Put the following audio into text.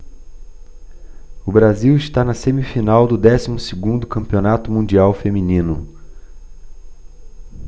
o brasil está na semifinal do décimo segundo campeonato mundial feminino